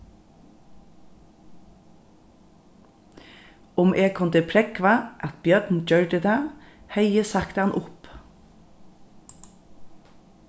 um eg kundi prógvað at bjørn gjørdi tað hevði eg sagt hann upp